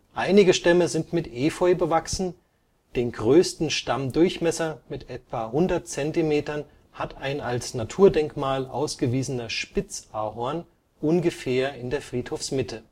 Einige Stämme sind mit Efeu bewachsen, den größten Stammdurchmesser mit zirka 100 cm hat ein als Naturdenkmal ausgewiesener Spitz-Ahorn ungefähr in der Friedhofsmitte